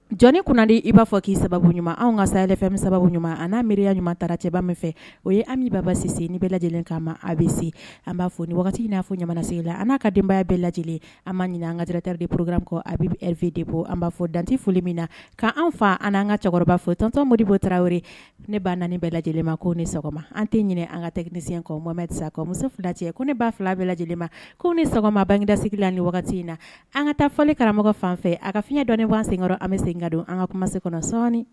Jɔnni kundi i b'a fɔ k'i sababu ɲuman anw ka saya fɛn sababu ɲuman a'a miiriya ɲuman taarara cɛbaba min fɛ o ye anbasi ni bɛ lajɛlen' ma a bɛ se an b'a fɔ ni wagati n'a fɔ ɲamanasigi la an'a ka denbaya bɛɛ lajɛ lajɛlen an ma ɲininka andtareri de porourmi kɔ a fe de bɔ an b'a fɔ dante foli min na k'an fa an anan ka cɛkɔrɔba foyitɔnmodi bɔ tarawele ne b'a na bɛɛ lajɛlen ko ni sɔgɔma an tɛ ɲininka an ka tɛmɛ nisi kan mamɛsa ka muso fila cɛ ko ne ba fila bɛɛ lajɛlen ma ko ni sɔgɔma bangedasigi la ni wagati in na an ka taa fɔli karamɔgɔ fan a ka fiɲɛ dɔn ne wa senkɔrɔ an bɛ segin ka don an ka kumase kɔnɔ sɔɔni